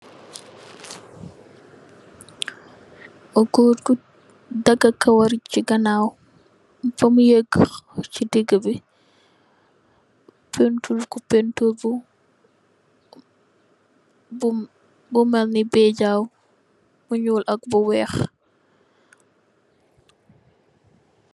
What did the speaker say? Goor bu daga karaw bi si ganaw bem yega si digi bi painturr ku painturr bu bu melni bejaw bu nuul ak bu weex.